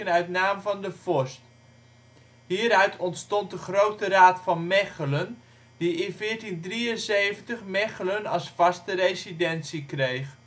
uit naam van de vorst. Hieruit ontstond de Grote Raad van Mechelen, die in 1473 Mechelen als vaste residentie kreeg